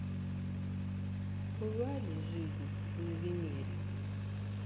была ли жизнь на венере